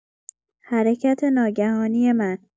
حرکت ناگهانی من